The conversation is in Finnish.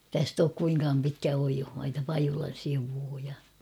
tästä ole kuinkaan pitkä oiosmaita Pajulan sivua ja